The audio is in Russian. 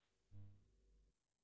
джой блять даня